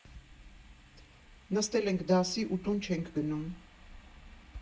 Նստել ենք «դասի» ու տուն չենք գնում։